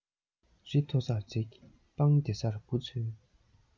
རི མཐོ སར འཛེགས སྤང བདེ སར འབུ འཚོལ